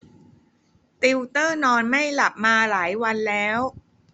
ติวเตอร์นอนไม่หลับมาหลายวันแล้ว